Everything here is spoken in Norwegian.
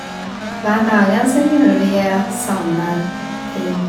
Hver dagen så gjorde vi samme ting.